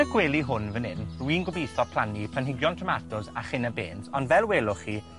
y gwely hwn fan 'yn, dwi'n gobitho plannu planhigion tomatos, a chynne bêns, ond fel welwch chi,